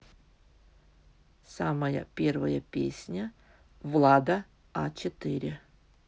самая первая песня влада а четыре